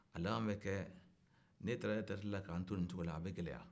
a laban bɛ kɛ ne taara eretɛreti k'an to nin cogo la a bɛ gɛlɛya